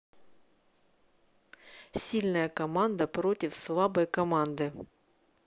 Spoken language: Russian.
сильная команда против слабой команды